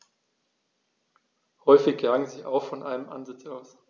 Häufig jagen sie auch von einem Ansitz aus.